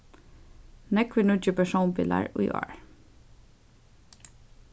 nógvir nýggir persónbilar í ár